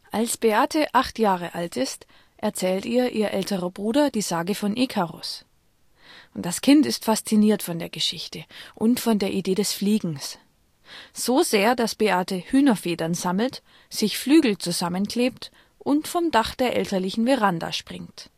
Als sie acht Jahre alt ist, erzählt ihr ihr älterer Bruder die Sage von Ikarus. Das Kind ist fasziniert von der Geschichte - und von der Idee des Fliegens. So sehr, dass es Hühnerfedern sammelt, sich Flügel zusammenklebt und vom Dach der elterlichen Veranda springt